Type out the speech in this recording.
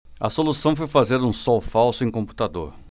a solução foi fazer um sol falso em computador